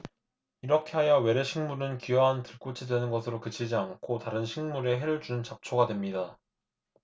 이렇게 하여 외래 식물은 귀화한 들꽃이 되는 것으로 그치지 않고 다른 식물에 해를 주는 잡초가 됩니다